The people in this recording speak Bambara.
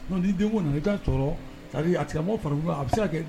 N' den nana i ka tɔɔrɔ a maaw farikolo a bɛ se kɛ